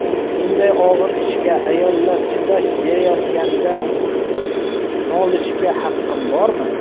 shunday og'ir ishga ayollar chidash berayotganda nolishga haqqim bormi